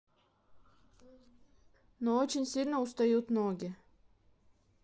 но очень сильно устают ноги